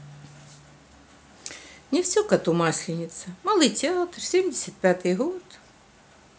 не все коту масленица малый театр семьдесят пятый год